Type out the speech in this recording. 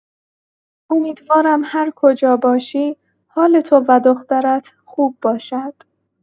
امیدوارم هر کجا باشی، حال تو و دخترت خوب باشد!